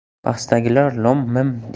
pastdagilar lom mim